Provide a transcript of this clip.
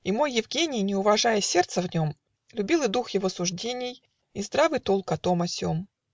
и мой Евгений, Не уважая сердца в нем, Любил и дух его суждений, И здравый толк о том о сем.